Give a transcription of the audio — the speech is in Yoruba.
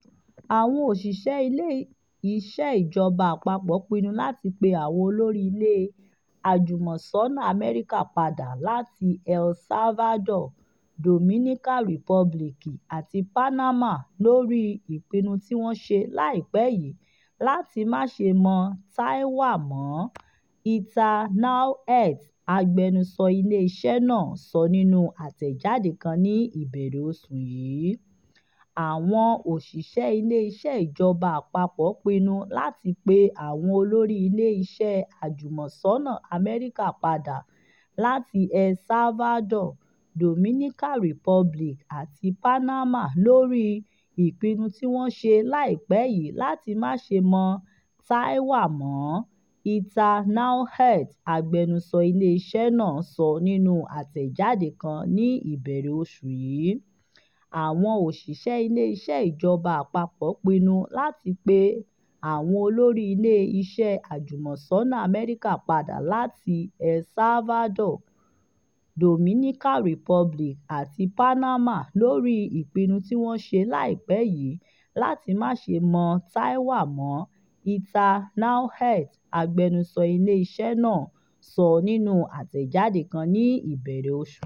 Àwọn òṣìṣẹ́ Ilé Iṣẹ́ Ìjọba Àpapọ̀ pinnu láti pe àwọn olórí ilé iṣẹ́ àjùmọ̀sọ́nà Amẹ́ríkà padà láti El Salvador, Dominican Republic àti Panama lórí "ìpinnu tí wọ́n ṣe láìpẹ́ yìí láti má ṣe mọ Taiwan mọ́", Heather Nauert, agbẹnusọ ilé iṣẹ́ náà, sọ nínú àtẹ̀jáde kan ní ìbẹ̀rẹ̀ oṣù yìí.